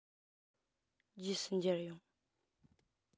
རྗེས སུ མཇལ ཡོང